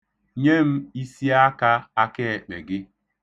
Nye m isiaka akeekpe gi.